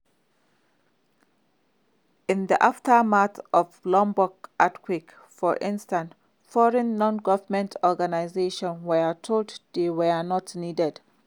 In the aftermath of the Lombok earthquake, for instance, foreign nongovernmental organizations were told they were not needed.